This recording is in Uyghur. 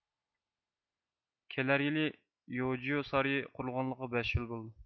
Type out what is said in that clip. كېلەر يىلى يوجيۇ سارىيى قۇرۇلغانلىقىغا بەش يىل بولىدۇ